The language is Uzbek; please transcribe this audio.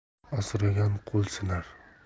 asragan qo'l sinar